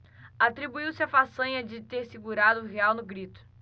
atribuiu-se a façanha de ter segurado o real no grito